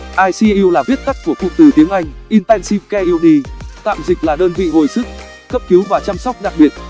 icu là viết tắt của cụm từ tiếng anh intensive care uni tạm dịch là đơn vị hồi sức cấp cứu và chăm sóc đặc biệt